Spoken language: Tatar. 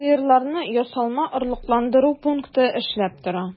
Сыерларны ясалма орлыкландыру пункты эшләп тора.